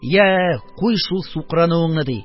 Я, куй шул сукрануыңны, - ди,